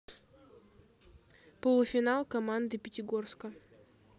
полуфинал команды пятигорска